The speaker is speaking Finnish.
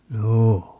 joo